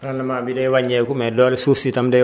rendement bi day wàññeeku mais doole suuf si tam day